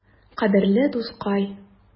Кадерле дускай!